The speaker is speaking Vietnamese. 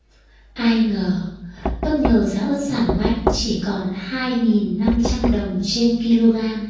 ai ngờ bất ngờ giá ớt giảm mạnh chỉ còn hai nghìn năm trăm đồng trên ki lô gam